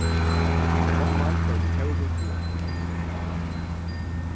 omman fór við tóru til lækna